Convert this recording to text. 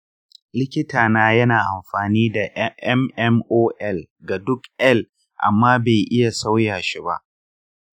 likitana ya na amfani da mmol ga duk l amma ban iya sauya shi ba.